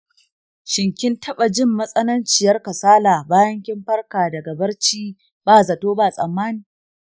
shin kin taɓa jin matsananciyar kasala bayan kin farka daga barci ba zato ba tsammani?